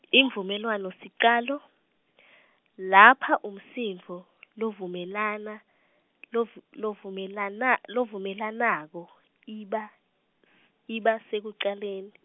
imvumelwanosicalo , Lapha umsomdvo lovumelana lovu- lovumelana- levumelanako iba s- iba sekucaleni.